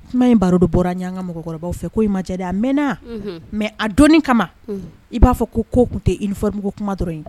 Kuma in barodo bɔra'an ka mɔgɔkɔrɔba fɛ ko i ma diya mɛnna mɛ a dɔni kama i b'a fɔ ko ko tun tɛ i fɔm kuma dɔrɔn ye